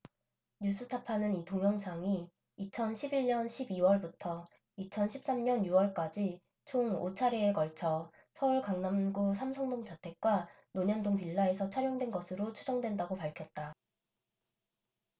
뉴스타파는 이 동영상이 이천 십 일 년 십 이 월부터 이천 십 삼 년 유 월까지 총 오 차례에 걸쳐 서울 강남구 삼성동 자택과 논현동 빌라에서 촬영된 것으로 추정된다고 밝혔다